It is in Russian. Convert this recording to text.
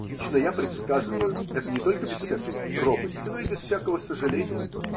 Лично я предсказываю это не только без всякой робости, но и без всякого сожаления.